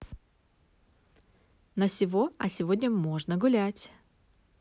на всего а сегодня можно гулять